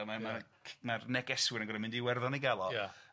negeswyr yn gorod mynd i Iwerddon i ga'l o. Ia.